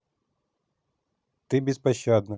ты беспощадна